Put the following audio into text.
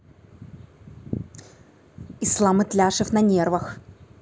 ислам итляшев на нервах